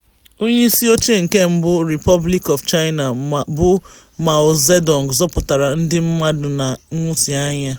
Onyeisi oche mbụ nke Republic of China bụ Mao Zedong zọpụtara ndị mmadụ na nhụsianya.